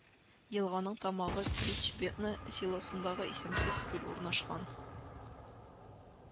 Елганың тамагы Клич Бедно селосындагы исемсез күл урнашкан